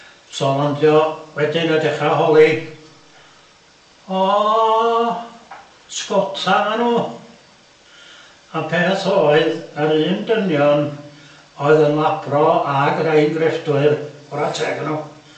so landio wedyn a dechra holi... O sgota 'ma n'w... A peth oedd y r'un dynion oedd yn labro ag rai yn grefftwyr chwara teg iddyn n'w